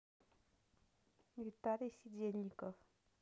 виталий сидельников